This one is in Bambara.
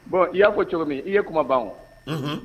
Bon i y'a fɔ ko cogo min i ye kuma ban